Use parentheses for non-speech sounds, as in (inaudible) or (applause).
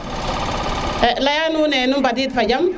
(hesitation) leya nuune nu ɓadid fa diam